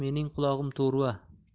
mening qulog'im to'rva